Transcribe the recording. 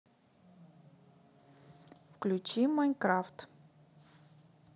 включи майнкрафт